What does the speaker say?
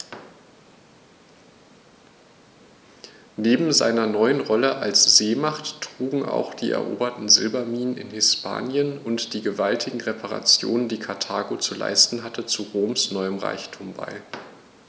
Neben seiner neuen Rolle als Seemacht trugen auch die eroberten Silberminen in Hispanien und die gewaltigen Reparationen, die Karthago zu leisten hatte, zu Roms neuem Reichtum bei.